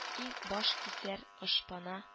Иң башкисәр ышпана